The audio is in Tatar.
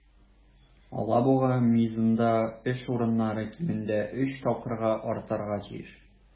"алабуга" мизында эш урыннары кимендә өч тапкырга артарга тиеш.